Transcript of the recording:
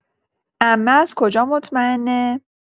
عمه از کجا مطمئنه؟